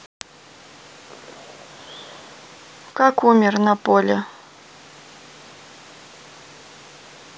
как умер наполе